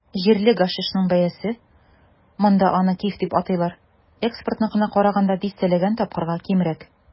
Җирле гашишның бәясе - монда аны "киф" дип атыйлар - экспортныкына караганда дистәләгән тапкырга кимрәк.